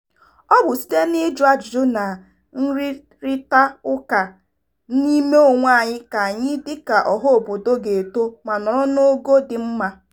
Ọ bụ site na ịjụ ajụjụ na nrịrịtaụka n'ime onwe anyị ka anyị dịka ọhaobodo ga-eto ma nọrọ n'ogo dị mma.